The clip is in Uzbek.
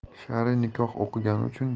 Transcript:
shar'iy nikoh o'qigani uchun